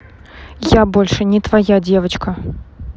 я больше не твоя девочка